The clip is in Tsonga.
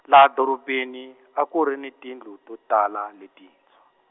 laha doropeni a ku ri ni tindlu to tala letintshwa.